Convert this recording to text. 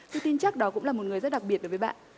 tôi tin chắc đó cũng là một người rất đặc biệt đối với bạn